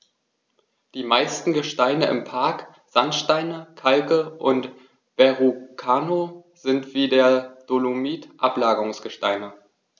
Die meisten Gesteine im Park – Sandsteine, Kalke und Verrucano – sind wie der Dolomit Ablagerungsgesteine.